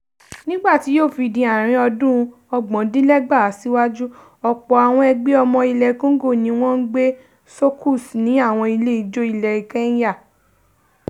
Nígbà tí yóò fi di ààrin ọdún 1970 síwájú, ọ̀pọ̀ àwọn ẹgbẹ́ ọmọ ilẹ̀ Congo ni wọ́n ń gbọ́ soukous ní àwọn ilé-ijó ilẹ̀ Kenya.